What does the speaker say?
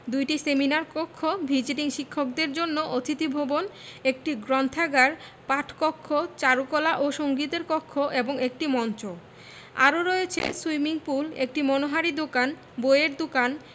২টি সেমিনার কক্ষ ভিজিটিং শিক্ষকদের জন্য অতিথি ভবন একটি গ্রন্থাগার পাঠকক্ষ চারুকলা ও সঙ্গীতের কক্ষ এবং একটি মঞ্চ আরও রয়েছে সুইমিং পুল একটি মনোহারী দোকান বইয়ের দোকান